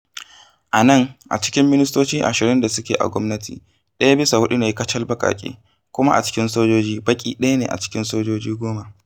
A nan, a cikin ministoci ashirin da suke a gwamnati, ɗaya bisa huɗu ne kacal baƙaƙe, kuma a cikin sojoji baƙi ɗaya ne a cikin sojoji goma.